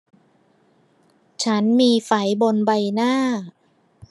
ฉันมีไฝบนใบหน้า